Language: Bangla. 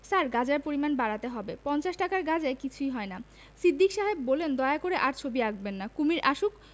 স্যার গাঁজার পরিমাণ বাড়াতে হবে পঞ্চাশ টাকার গাজায় কিছুই হয় না সিদ্দিক সাহেব বললেন দয়া করে আর ছবি আঁকবেন না কুমীর আসুক